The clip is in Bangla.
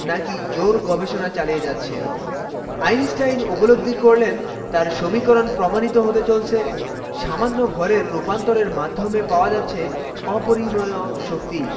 নাকি জোর গবেষণা চালিয়ে যাচ্ছে আইনস্টাইন উপলব্ধি করলেন তার সমীকরণ প্রমাণিত হতে চলছে সামান্য ভরের রূপান্তরের মাধ্যমে পাওয়া যাচ্ছে অপরিমেয় শক্তি